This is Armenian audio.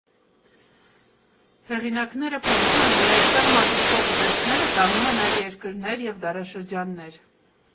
Հեղինակները պնդում են, որ այստեղ մատուցվող ուտեստները տանում են այլ երկրներ և դարաշրջաններ։